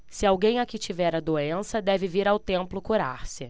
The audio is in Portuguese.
se alguém aqui tiver a doença deve vir ao templo curar-se